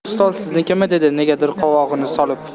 shu stol siznikimi dedi negadir qovog'ini solib